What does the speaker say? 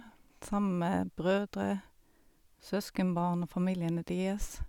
Sammen med brødre, søskenbarn og familiene deres.